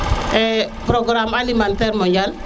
e progamme alimentaire mondial